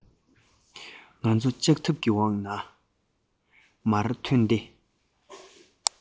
ང ཚོ ལྕགས ཐབ ཀྱི འོག ནས མར ཐོན ཏེ